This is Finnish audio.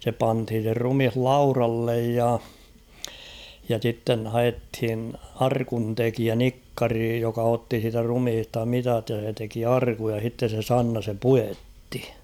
se pantiin se ruumis laudalle ja ja sitten haettiin arkuntekijä nikkari joka otti siitä ruumiista mitat ja se teki arkun ja sitten se Sanna sen puetti